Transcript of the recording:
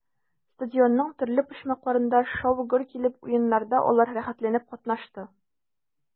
Стадионның төрле почмакларында шау-гөр килеп уеннарда алар рәхәтләнеп катнашты.